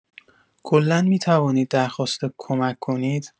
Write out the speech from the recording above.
کلا می‌توانید درخواست کمک کنید؟